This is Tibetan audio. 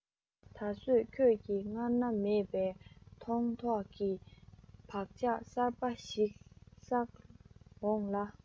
ད བཟོད ཁྱོད ལ སྔར ན མེད པའི མཐོང ཐོས ཀྱི བག ཆགས གསར པ ཞིག བསག འོང ལ